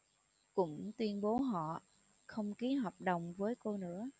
cũng tuyên bố họ không ký hợp đồng với cô nữa